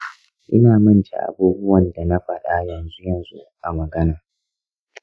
ina mance abubuwan da na faɗa yanzu-yanzu a magana